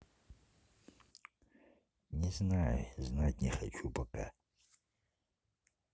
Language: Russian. не знаю знать не хочу пока